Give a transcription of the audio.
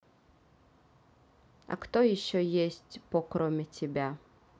а кто еще есть по кроме тебя